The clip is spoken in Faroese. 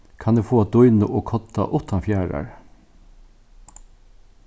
kann eg fáa dýnu og kodda uttan fjaðrar